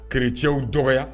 Kerecɛw dɔgɔ